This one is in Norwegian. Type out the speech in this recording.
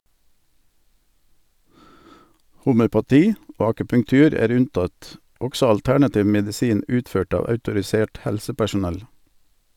Homøopati og akupunktur er unntatt, også alternativ medisin utført av autorisert helsepersonell.